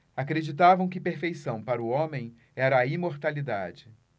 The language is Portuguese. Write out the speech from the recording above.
acreditavam que perfeição para o homem era a imortalidade